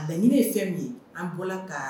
A laɲiniinɛ ye fɛn min ye an bɔra ka